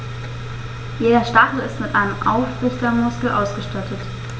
Jeder Stachel ist mit einem Aufrichtemuskel ausgestattet.